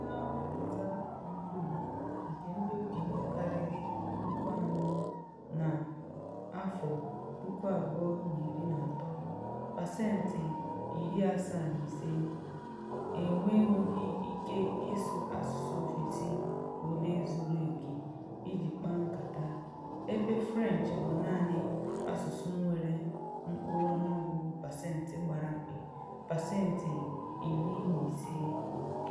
Site na nhọpụta YouGov nke ndị okenye karịrị 4,000 na 2013, pasentị 75 enwenwughi ike ịsụ asụsụ ofesi ole zuru oke iji kpaa nkata, ebe French bụ naanị asụsụ nwere mkpụrụọnụọgụ pasentị gbara mkpị, pasentị 15.